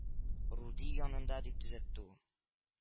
— руди янында, — дип төзәтте ул